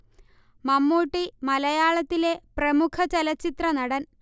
മമ്മൂട്ടി മലയാളത്തിലെ പ്രമുഖ ചലച്ചിത്രനടൻ